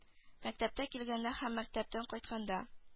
Мәктәпкә килгәндә һәм мәктәптән кайтканда